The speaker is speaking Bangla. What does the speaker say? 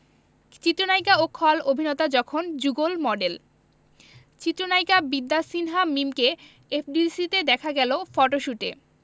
চিত্রনায়িকা ও খল অভিনেতা যখন যুগল মডেল চিত্রনায়িকা বিদ্যা সিনহা মিমকে এফডিসিতে দেখা গেল ফটোশুটে